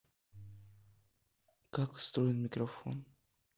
как устроен микрофон